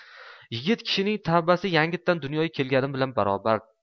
yigit kishining tavbasi yangitdan dunyoga kelgani bilan baravar